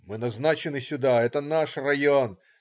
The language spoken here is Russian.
"Мы назначены сюда,- это наш район!